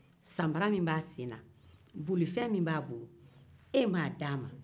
samara min b'a sen na bolifɛn min b'a bolo e ma a di a ma